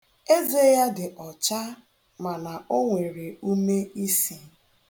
Eze ya dị ọcha mana o nwere umeisi.